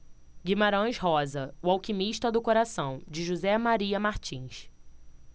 guimarães rosa o alquimista do coração de josé maria martins